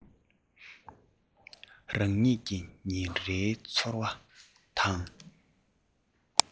རང ཉིད ཀྱི ཉིན རེའི འཚོ བ དང